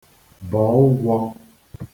bọ̀ ụgwọ̄